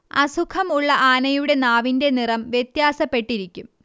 അസുഖം ഉള്ള ആനയുടെ നാവിന്റെ നിറം വ്യത്യാസപ്പെട്ടിരിക്കും